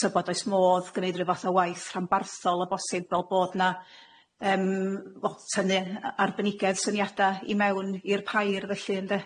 tybed oes modd gneud ryw fath o waith rhanbarthol o bosib fel bod na yym wel tynnu a- arbenigedd syniada i mewn i'r pair felly ynde?